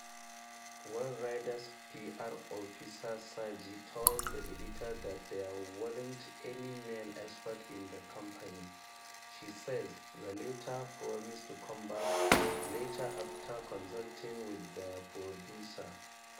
When Reyder’s PR officer Sergey told the editor that there weren’t any male experts in the company, she says, the latter promised to come back later after consulting with their producer.